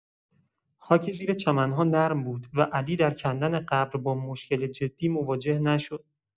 خاک زیر چمن‌ها نرم بود و علی در کندن قبر با مشکل جدی مواجه نشد.